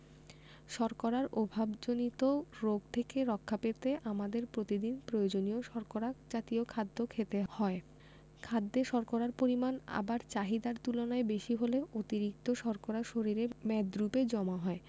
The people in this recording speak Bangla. শর্করার অভাবজনিত রোগ থেকে রক্ষা পেতে আমাদের প্রতিদিন প্রয়োজনীয় শর্করা জাতীয় খাদ্য খেতে হয় খাদ্যে শর্করার পরিমাণ আবার চাহিদার তুলনায় বেশি হলে অতিরিক্ত শর্করা শরীরে মেদরুপে জমা হয়